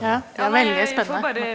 ja ja veldig spennende.